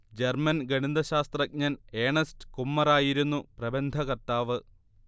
German ഗണിതശാസ്ത്രജ്ഞൻ Ernst കുമ്മറായിരുന്നു പ്രബന്ധകർത്താവ്